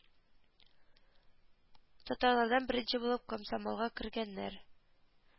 Татарлардан беренче булып комсомолга кергәннәр